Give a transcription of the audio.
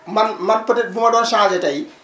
man man peut être bu ma doon changé tey